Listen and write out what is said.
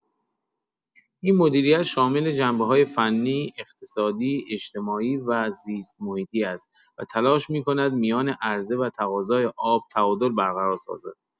این مدیریت شامل جنبه‌های فنی، اقتصادی، اجتماعی و زیست‌محیطی است و تلاش می‌کند میان عرضه و تقاضای آب تعادل برقرار سازد.